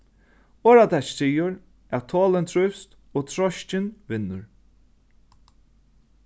orðatakið sigur at tolin trívst og treiskin vinnur